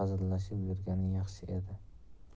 hazillashib yurgani yaxshi edi